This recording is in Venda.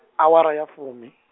awara ya fumi.